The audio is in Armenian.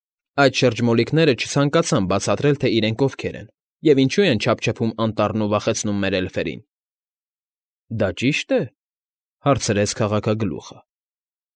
Այդ շրջմոլիկները չցանկացան բացատրել, թե իրենք ովքեր են և ինչու են չափչփում անտառն ու վախեցնում մեր էլֆերին։ ֊ Դա ճի՞շտ է,֊ հարցրեց քաղաքագլուխը։